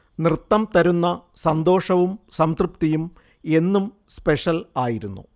നൃത്തം തരുന്ന സന്തോഷവും സംതൃപ്തിയും എന്നും സ്പെഷൽ ആയിരുന്നു